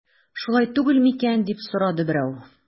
Шулай түгел микән дип сорады берәү.